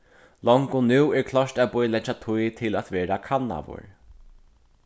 longu nú er klárt at bíleggja tíð til at verða kannaður